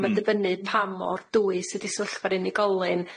Ma' dibynnu pa mor dwys ydi sefyllfa'r unigolyn.